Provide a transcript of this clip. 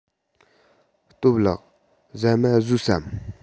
སྟོབས ལགས ཟ མ ཟོས སམ